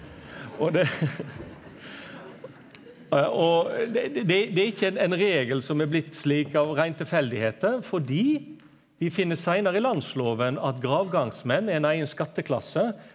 og det og det det er ikkje ein regel som er blitt slik av rein tilfeldigheiter fordi vi finn seinare i landsloven at gravgangsmenn er ein eigen skatteklasse.